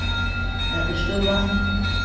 hvat er støðan